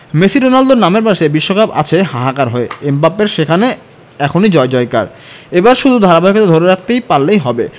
Messi রোনালদোর নামের পাশে বিশ্বকাপ আছে হাহাকার হয়ে এমবাপ্পের সেখানে এখনই জয়জয়কার এবার শুধু ধারাবাহিকতাটা ধরে রাখতে পারলেই হবে